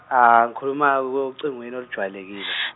ngikhuluma ocingweni olujwayelekile.